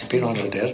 Tipyn o anrhyder.